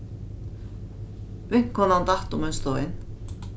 vinkonan datt um ein stein